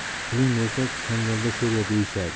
puling bo'lsa changalda sho'rva deyishadi